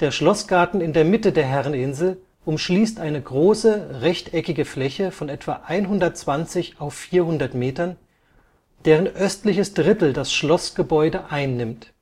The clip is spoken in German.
Schlossgarten in der Mitte der Herreninsel umschließt eine große rechteckige Fläche von etwa 120×400 Metern, deren östliches Drittel das Schlossgebäude einnimmt